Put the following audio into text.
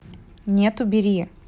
нет убери